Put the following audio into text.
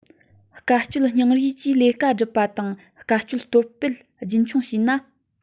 དཀའ སྤྱད སྙིང རུས ཀྱིས ལས ཀ སྒྲུབ པ དང དཀའ སྤྱད སྟོབས སྤེལ རྒྱུན འཁྱོངས བྱས ན